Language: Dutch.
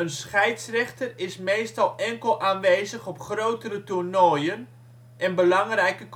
scheidsrechter is meestal enkel aanwezig op grotere toernooien en belangrijke